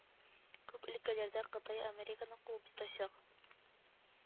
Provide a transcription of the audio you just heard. Күп өлкәләрдә Кытай Американы куып тотачак